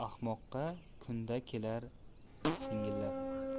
kunda kelar tingillab